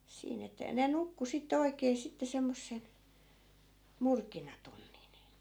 siinä että ja ne nukkui sitten oikein sitten semmoisen murkinatunnin